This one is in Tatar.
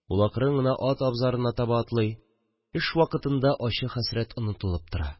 Ул акрын гына ат абзарларына таба атлый, эш вакытында ачы хәсрәт онытылып тора